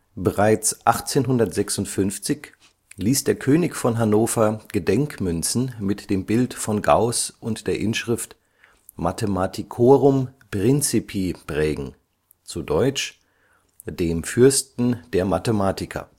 Bereits 1856 ließ der König von Hannover Gedenkmünzen mit dem Bild von Gauß und der Inschrift „ Mathematicorum Principi “(deutsch: „ dem Fürsten der Mathematiker